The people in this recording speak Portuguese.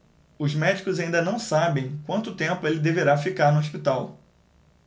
os médicos ainda não sabem quanto tempo ele deverá ficar no hospital